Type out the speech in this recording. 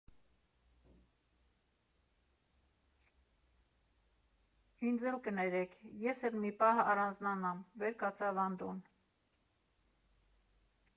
֊ Ինձ էլ կներեք, ես էլ մի պահ առանձնանամ, ֊ վեր կացավ Անդոն։